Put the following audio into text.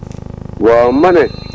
waaw ma ne